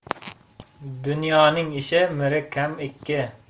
dunyoning ishi miri kam ikki